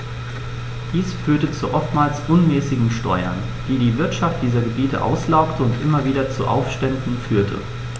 Dies führte zu oftmals unmäßigen Steuern, die die Wirtschaft dieser Gebiete auslaugte und immer wieder zu Aufständen führte.